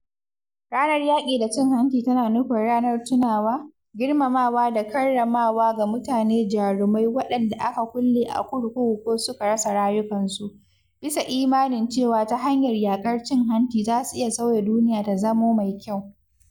Ranar Yaƙi da Cin Hanci tana nufin ranar tunawa, girmamawa da karramawa ga mutane jarumai waɗanda aka kulle a kurkuku ko suka rasa rayukansu, bisa imanin cewa ta hanyar yaƙar cin hanci zasu iya sauya duniya ta zamo mai kyau.